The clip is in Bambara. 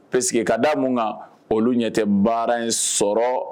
Pseke que ka d a mun kan olu ɲɛ tɛ baara in sɔrɔ